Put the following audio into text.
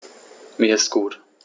Mir ist gut.